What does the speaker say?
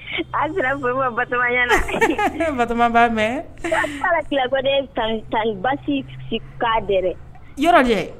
A sera ma batoya la bato b'a mɛn taara tilakɔ tan baasi k'a yɛrɛ yɔrɔ dɛ